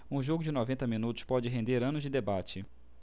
um jogo de noventa minutos pode render anos de debate